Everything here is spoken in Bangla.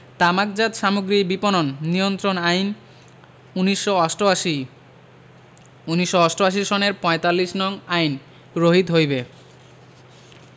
তামাকজাত সামগ্রী বিপণন নিয়ন্ত্রণ আইন ১৯৮৮ ১৯৮৮ সনের ৪৫ নং আইন রহিত হইবে